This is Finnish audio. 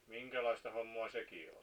minkälaista hommaa sekin oli